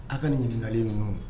Aw ka nin ɲininkakalen ninnu